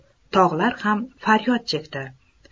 tog'lar ham faryod chekdi